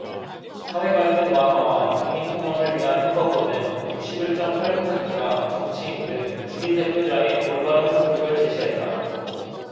사회갈등 완화와 국민통합을 위한 해법으로는 육십 일 쩜 팔 퍼센트가 정치인 등 주민대표자의 올바른 선택을 제시했다